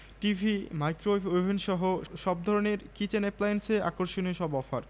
সমকালীন বিজ্ঞাপন সিঙ্গার ঈদ অফারে সবাই কাত ৩০০ ফ্রি ফ্রিজে বাজিমাত ঈদুল আজহাকে সামনে রেখে মাসব্যাপী ঈদ অফার চালু করতে যাচ্ছে সিঙ্গার